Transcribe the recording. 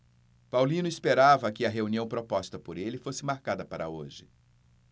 paulino esperava que a reunião proposta por ele fosse marcada para hoje